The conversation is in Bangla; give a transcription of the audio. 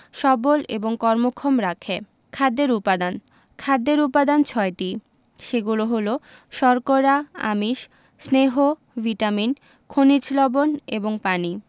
সবল এবং কর্মক্ষম রাখে খাদ্যের উপাদান খাদ্যের উপাদান ছয়টি সেগুলো হলো শর্করা আমিষ স্নেহ ভিটামিন খনিজ লবন এবং পানি